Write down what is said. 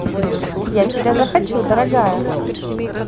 я тебя захочу дорогая